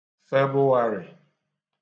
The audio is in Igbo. Febụwarị̀